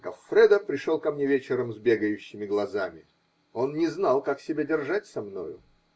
Гоффредо пришел ко мне вечером с бегающими глазами: он не знал, как себя держать со мною.